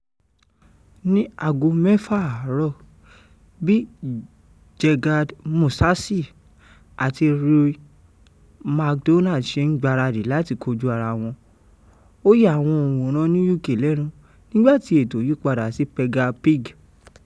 Ní 6am, bí Gegard Mousasi àti Rory MacDonald ṣe ń gbaradì láti dojúkọ ara wọn, ó ya àwọn òǹwòran ní UK lẹ́nu nígbàtí ètò yípadà sí Peppa Pig.